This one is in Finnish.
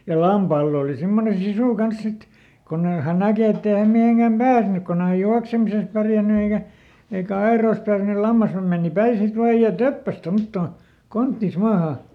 ja lampaalla oli semmoinen sisu kanssa sitten kun ei hän näkee että ei hän mihinkään päässyt kun ei hän juoksemisessa pärjännyt eikä eikä aidoissa tarvinnut - lammashan meni päin sitten vain ja töppäsi tuommottoon konttinsa maahan